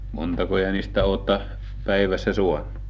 montako jänistä olette päivässä saanut